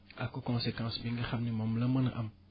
ak conséquence bi nga xam ne moom la mën a am